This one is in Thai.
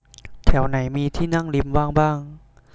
แถวไหนมีที่นั่งริมว่างบ้าง